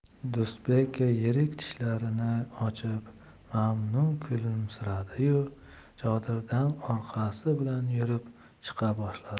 do'stbek yirik tishlarini ochib mamnun kulimsiradi yu chodirdan orqasi bilan yurib chiqa boshladi